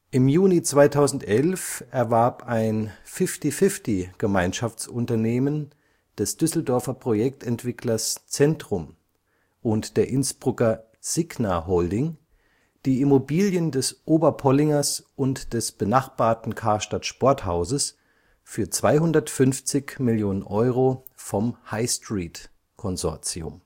Im Juni 2011 erwarb ein 50/50-Gemeinschaftsunternehmen des Düsseldorfer Projektentwicklers Centrum (Uwe Reppegather) und der Innsbrucker Signa Holding (René Benko) die Immobilien des Oberpollingers und des benachbarten Karstadt Sporthauses für 250 Millionen Euro vom Highstreet-Konsortium